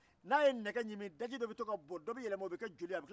i bɛ ala de deli ala kana ducimuso don i ka so